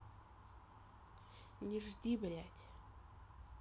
не жди блядь